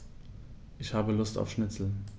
Ich habe Lust auf Schnitzel.